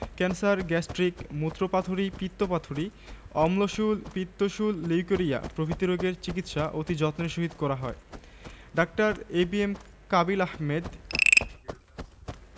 cancer gastric মুত্রপাথড়ী পিত্তপাথড়ী অম্লশূল পিত্তশূল লিউকেরিয়া প্রভৃতি রোগের চিকিৎসা অতি যত্নের সহিত করা হয় ডাঃ A B M Kabil Ahmed M A L